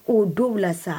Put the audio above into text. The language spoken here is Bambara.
Oo dow la sa